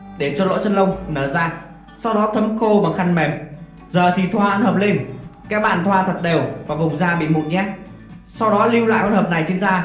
để cho lỗ chân lông nở ra sau đó thấm khô bằng khăn mềm giờ thì thoa hỗn hợp lên các bạn thoa thật đều vào vùng da bị mụn nhé sau đó lưu lại hỗn hợp này